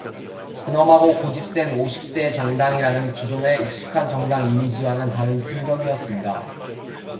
근엄하고 고집센 오십 대 정당이라는 기존의 익숙한 정당 이미지와는 다른 풍경이었습니다